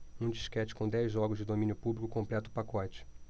um disquete com dez jogos de domínio público completa o pacote